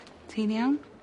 Ti'n iawn?